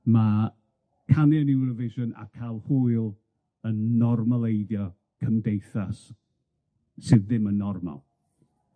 Ma' canu yn Eurovision a ca'l hwyl yn normaleiddio cymdeithas sydd ddim yn normal.